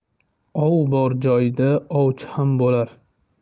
ov bor joyda ovchi ham bo'lar